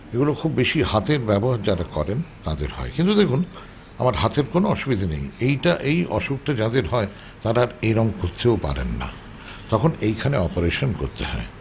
এগুলো খুব বেশি হাতের ব্যবহার যারা করেন তাদের হয় কিন্তু দেখুন আমার হাতের কোনো অসুবিধে নেই এইটা এই অসুখটা যাদের হয় তারা আর এ রম করতেও পারেন না তখন এইখানে অপারেশন করতে হয়